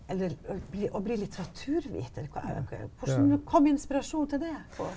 eller bli å bli litteraturviter hvordan kom inspirasjon til det på?